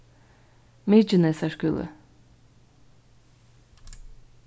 mykinesar skúli